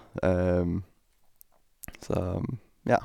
Så, ja.